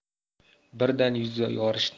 birdan yuzi yorishdi